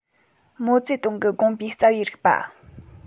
མའོ ཙེ ཏུང གི དགོངས པའི རྩ བའི རིགས པ